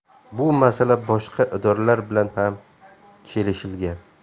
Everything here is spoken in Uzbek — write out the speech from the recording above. bu masala boshqa idoralar bilan ham kelishilgan